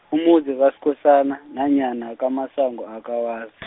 umuzi kaSkhosana , nanyana kaMasango, akawazi.